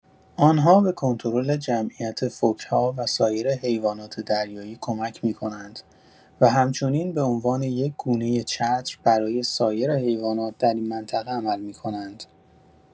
آن‌ها به کنترل جمعیت فوک‌ها و سایر حیوانات دریایی کمک می‌کنند و همچنین به عنوان یک گونه چتر برای سایر حیوانات در این منطقه عمل می‌کنند.